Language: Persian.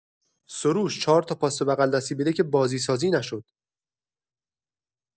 سروش چهار تا پاس به بغل‌دستی بده که بازی‌سازی نشد.